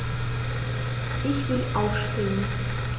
Ich will aufstehen.